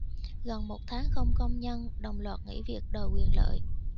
gần một tháng không công nhân đồng loạt nghỉ việc đòi quyền lợi